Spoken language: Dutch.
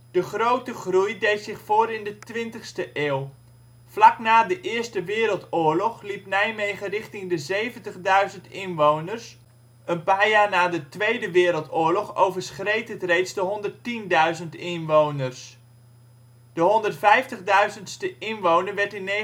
De grote groei deed zich voor in de 20e eeuw. Vlak na de Eerste Wereldoorlog liep Nijmegen richting de 70.000 inwoners, een paar jaar na de Tweede Wereldoorlog overschreed het reeds de 110.000 inwoners. De 150.000e inwoner werd in 1971